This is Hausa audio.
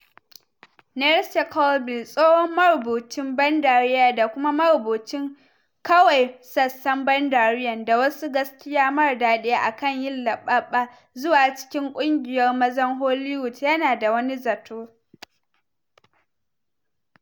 Nell Scovell, tsohon marubucin ban dariya da kuma marubucin “Kawai Sassan Ban Dariyan: Da Wasu Gaskia Mara Daɗi Akan Yin Laɓaɓa Zuwa Cikin Kungiyar Mazan Hollywood”, yana da wani zato.